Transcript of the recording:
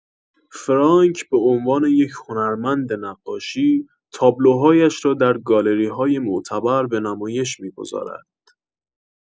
فرانک به عنوان یک هنرمند نقاشی، تابلوهایش را در گالری‌های معتبر به نمایش می‌گذارد.